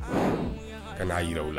Ka n'a jiraw